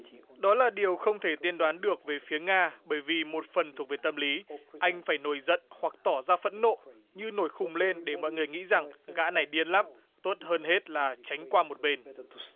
đó là điều không thể tiên đoán được về phía nga bởi vì một phần thuộc về tâm lý anh phải nổi giận hoặc tỏ ra phẫn nộ như nổi khùng lên để mọi người nghĩ rằng gã này điên lắm tốt hơn hết là tránh qua một bên